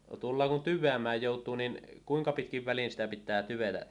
kun tyveämään joutuu niin kuinka pitkin välein sitä pitää tyvetä